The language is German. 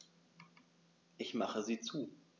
Ich mache sie zu.